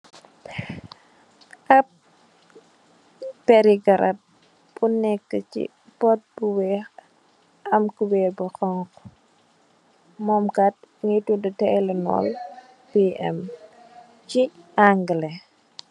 App perri garab bu neka sey pot bu weih am kuberr bu hunhu mom kai Mungi tuda teilamon pm sey angaleh.